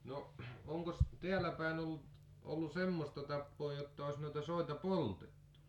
no onkos täällä päin ollut ollut semmoista tapaa jotta olisi noita soita poltettu